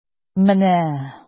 Менә...